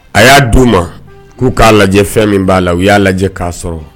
A y'a d di' u ma k'u k'a lajɛ fɛn min b'a la u y'a lajɛ k'a sɔrɔ